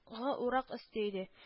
Го урак өсте иде